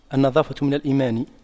النظافة من الإيمان